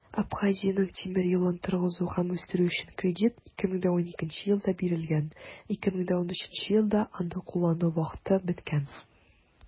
Абхазиянең тимер юлын торгызу һәм үстерү өчен кредит 2012 елда бирелгән, 2013 елда аны куллану вакыты беткән.